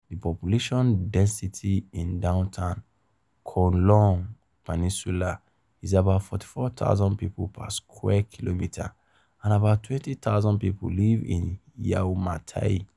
The population density in downtown Kowloon peninsula is about 44,000 people per square kilometer, and about 20,000 people live in Yau Ma Tei.